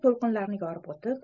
kitlar to'lqinlarni yorib o'tib